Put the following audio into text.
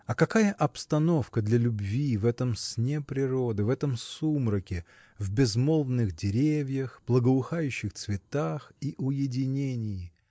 А какая обстановка для любви в этом сне природы в этом сумраке в безмолвных деревьях благоухающих цветах и уединении!